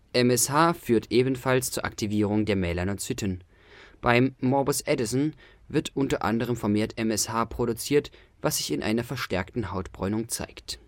MSH führt ebenfalls zur Aktivierung der Melanozyten. Beim Morbus Addison wird unter anderem vermehrt MSH produziert, was sich in einer verstärkten Hautbräunung zeigt